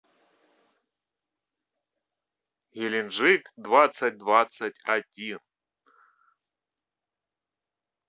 геленджик двадцать двадцать один